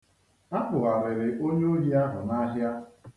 A kpụgharịrị onye ohi ahụ n'ahịa.